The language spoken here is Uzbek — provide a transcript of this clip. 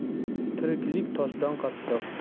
tiriklik toshdan qattiq